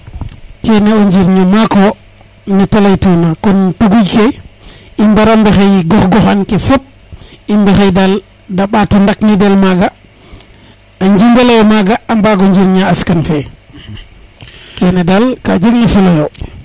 kene o njirño mako nete ley tuna kon puŋuƴ ke i mbara mbexey gox goxan ke fop i mbexey dal de ɓato ndakni del maga a njimeloyo maga a mbago njirña askan fe kene dal ka jeg na solo yo